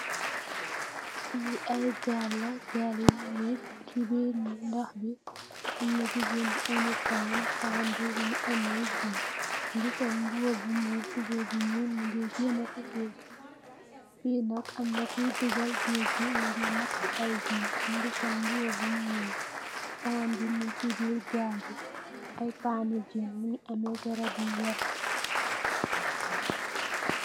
Fee aye gaal la gaal ye nuge se birr noox be amna jegain bu eno pan pan be muge ameh jeen muge sol muba bu nuul tubaye bu nuul muge gena se géej be fee nak amna kuy dogal géej be muge napu aye jeen muge sol muba bu nuul pan be mugse birr gaal be aye pane jeen muge ameh garabe werte